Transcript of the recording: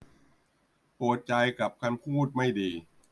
ปวดใจกับคำพูดไม่ดี